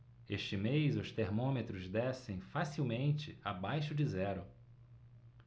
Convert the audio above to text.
este mês os termômetros descem facilmente abaixo de zero